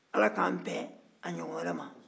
ala k'an bɛn a ɲɔgɔn wɛrɛ ma